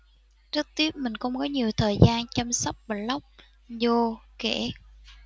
rất tiếc mình không có nhiều thời gian chăm sóc blog joe kể